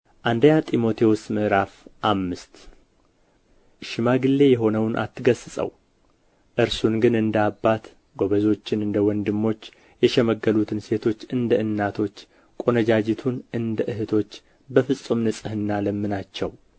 አንደኛ ጢሞቴዎስ ምዕራፍ አምስት ሽማግሌ የሆነውን አትገሥጸው እርሱን ግን እንደ አባት ጎበዞችን እንደ ወንድሞች የሸመገሉትን ሴቶች እንደ እናቶች ቆነጃጅቱን እንደ እኅቶች በፍጹም ንጽሕና ለምናቸው